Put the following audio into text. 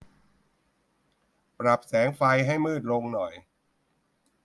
ปรับแสงไฟให้มืดลงหน่อย